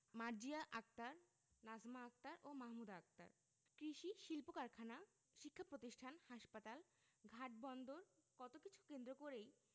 মার্জিয়া আক্তার নাজমা আক্তার ও মাহমুদা আক্তার কৃষি শিল্পকারখানা শিক্ষাপ্রতিষ্ঠান হাসপাতাল ঘাট বন্দর কত কিছু কেন্দ্র করেই